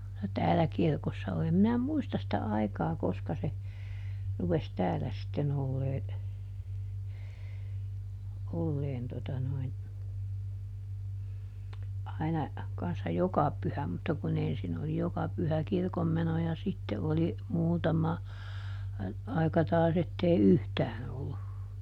no täällä kirkossa oli en minä muista sitä aikaa koska se rupesi täällä sitten olemaan olemaan tuota noin aina kanssa joka pyhä mutta kun ensin oli joka pyhä kirkonmeno ja sitten oli muutama aika taas että ei yhtään ollut